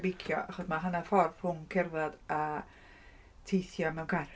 beicio, achos ma' hanner ffordd rhwng cerdded a teithio mewn car.